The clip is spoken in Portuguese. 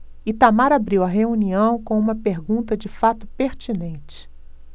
itamar abriu a reunião com uma pergunta de fato pertinente